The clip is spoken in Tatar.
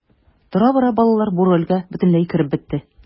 Тора-бара балалар бу рольгә бөтенләй кереп бетте.